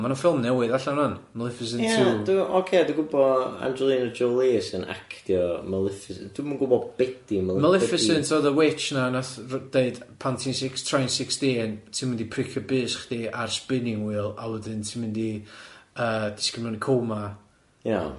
Ma' 'na ffilm newydd allan ŵan, Maleficent two. Ie dw i- ocê dw i'n gwbo Angelina Jolie sy'n actio Maleficent, dw i'm yn gwbod be' 'di Male-... Maleficent oedd y witch 'na nath r- deud pan ti'n six- troi'n sixteen ti'n mynd i pricio bys chdi ar spinning wheel a wedyn ti'n mynd i yy disgyn mewn i coma. Iawn.